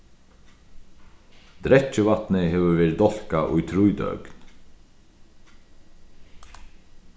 drekkivatnið hevur verið dálkað í trý døgn